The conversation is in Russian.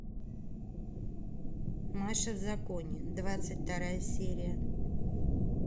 маша в законе двадцать вторая серия